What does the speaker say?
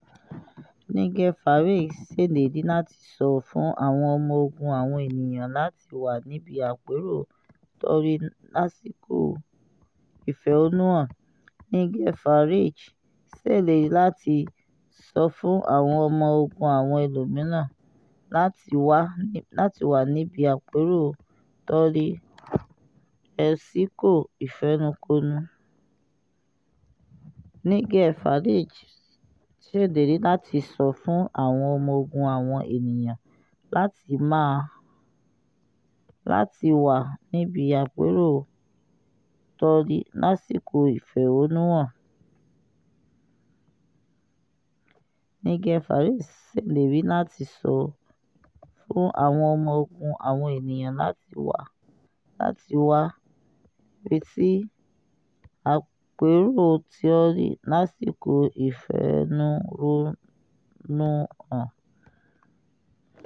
Nigel Farage ṣèlérí láti 'sọ fún àwọn ọmọ ogun àwọn ènìyàn láti wà' níbi àpérò Tory lásìkò ìfẹ̀honúhàn.